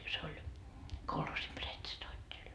se oli kolhoosin pretstoattel